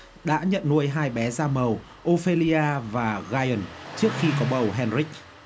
đã nhận nuôi hai bé da màu ô phê li a và gai ừn trước khi có bầu hen rích